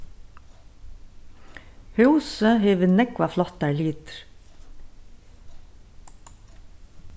húsið hevur nógvar flottar litir